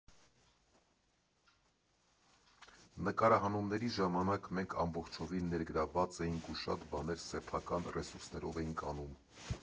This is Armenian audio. Նկարահանումների ժամանակ մենք ամբողջովին ներգրավված էինք ու շատ բաներ սեփական ռեսուրսներով էինք անում։